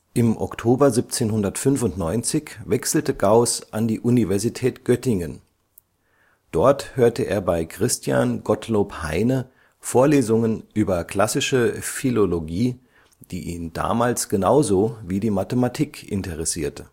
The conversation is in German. Im Oktober 1795 wechselte Gauß an die Universität Göttingen. Dort hörte er bei Christian Gottlob Heyne Vorlesungen über klassische Philologie, die ihn damals genauso wie die Mathematik interessierte